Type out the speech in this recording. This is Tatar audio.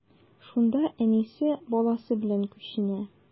Шунда әнисе, баласы белән күченә.